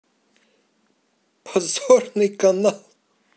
позорный канал